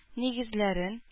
Нигезләрен